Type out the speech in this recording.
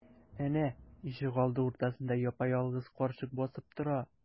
Әнә, ишегалды уртасында япа-ялгыз карчык басып тора.